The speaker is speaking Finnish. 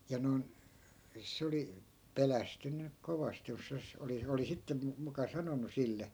ja noin se oli pelästynyt kovasti - oli oli sitten - muka sanonut sille